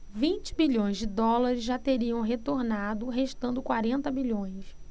vinte bilhões de dólares já teriam retornado restando quarenta bilhões